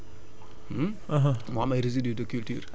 maanaam bu dee da nga béy sa tool